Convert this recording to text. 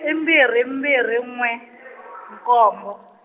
mbirhi mbirhi n'we , nkombo.